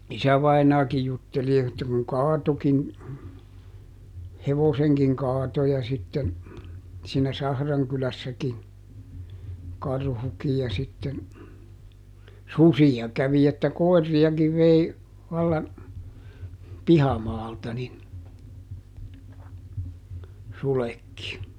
isävainaakin jutteli että kun kaatoikin hevosenkin kaatoi ja sitten siinä Sahrankylässäkin karhukin ja sitten susia kävi että koiriakin vei vallan pihamaalta niin sudetkin